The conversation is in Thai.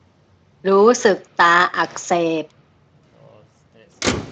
รู้สึกตาอักเสบ